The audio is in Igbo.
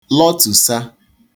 lọtùsà